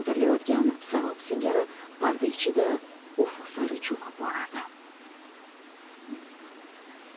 ko'tarilayotgan sarob singari parda ichida ufq sari cho'kib borardi